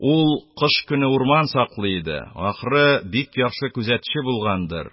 Ул кыш көне урман саклый иде, ахры, бик яхшы күзәтче булгандыр,